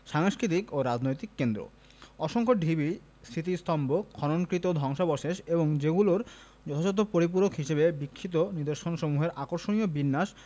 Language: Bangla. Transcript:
সাংস্কৃতিক ও রাজনৈতিক কেন্দ্র অসংখ্য ঢিবি স্মৃতিস্তম্ভ খননকৃত ধ্বংসাবশেষ এবং সেগুলির যথাযথ পরিপূরক হিসেবে বিক্ষিপ্ত নিদর্শনসমূহের আকর্ষণীয় বিন্যাস